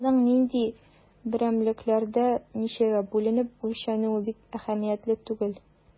Аның нинди берәмлекләрдә, ничәгә бүленеп үлчәнүе бик әһәмиятле түгел.